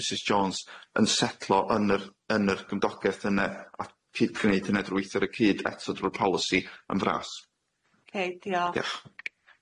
Mrs Jones yn setlo yn yr yn yr gymdogaeth yne a- cyd- gneud hynna drw weithio ar y cyd eto drw'r polisi yn ddras.